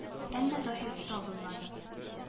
Әмма Таһир табылмады